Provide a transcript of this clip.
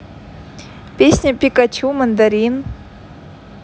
песня пикачу мандарин